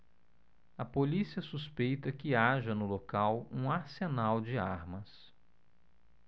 a polícia suspeita que haja no local um arsenal de armas